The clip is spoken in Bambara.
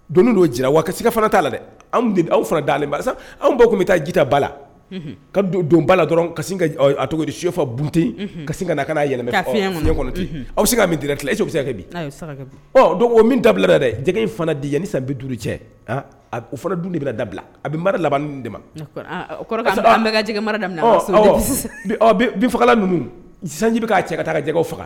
Don dono jira wa ka se ka t'a la dɛ aw fana dalen sisan anw baw tun bɛ taa jita ba la ka don bala dɔrɔn a to sufa binunte ka ka na ka yɛlɛma kɔnɔ ten aw bɛ se ka min di ki e don o min dabila yɛrɛ jɛgɛ in fana di yan ni san bi duuru cɛ a o fana dun de bɛna dabila a bɛ mara laban ni de ma da bi fagala ninnu zanji bɛ'a cɛ ka taa jɛ faga